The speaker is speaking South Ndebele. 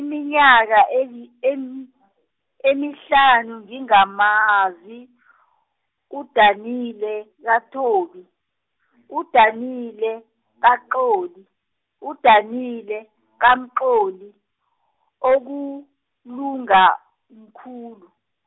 iminyaka eli- em- emihlanu ngingamazi , uDanile kaThobi, uDanile kaXoli, uDanile kaMxoli, okulunga mkhulu.